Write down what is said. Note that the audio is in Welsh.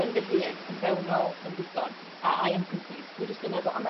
yn fy hun yn fewnol yn ddigon a I am complete dwi jyst yn meddwl a ma'